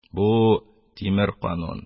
Бу - тимер канун.